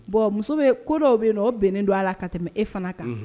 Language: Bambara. Bon muso bɛ ko dɔw bɛ nɔ o bɛnnen don a la ka tɛmɛ e fana kan